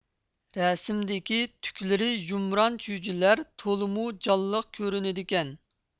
رەسىمدىكى تۈكلىرى يۇمران چۈجىلەر تولىمۇ جانلىق كۆرۈنىدىكەن